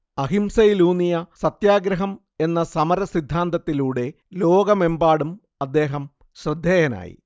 അഹിംസയിലൂന്നിയ സത്യാഗ്രഹം എന്ന സമര സിദ്ധാന്തത്തിലൂടെ ലോകമെമ്പാടും അദ്ദേഹം ശ്രദ്ധേയനായി